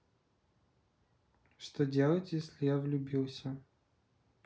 что делать если я влюбился